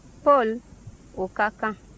paul o ka kan